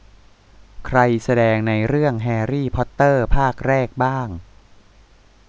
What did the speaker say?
ใครแสดงในเรื่องแฮรี่พอตเตอร์ภาคแรกบ้าง